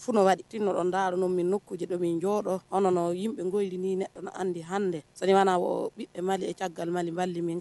F nɔntan n min ko kosɛbɛbe min jɔyɔrɔ h n ko ha dɛ sani mana na bɔ ma e galimali